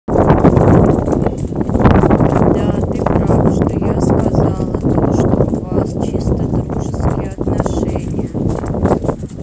да ты прав что я сказала то что у вас чисто дружеские отношения